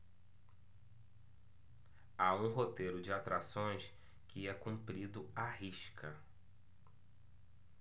há um roteiro de atrações que é cumprido à risca